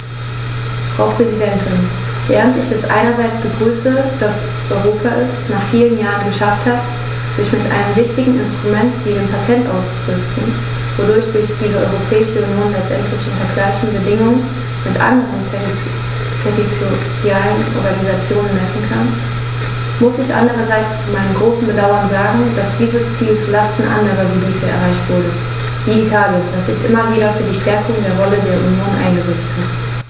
Frau Präsidentin, während ich es einerseits begrüße, dass Europa es - nach vielen Jahren - geschafft hat, sich mit einem wichtigen Instrument wie dem Patent auszurüsten, wodurch sich die Europäische Union letztendlich unter gleichen Bedingungen mit anderen territorialen Organisationen messen kann, muss ich andererseits zu meinem großen Bedauern sagen, dass dieses Ziel zu Lasten anderer Gebiete erreicht wurde, wie Italien, das sich immer wieder für die Stärkung der Rolle der Union eingesetzt hat.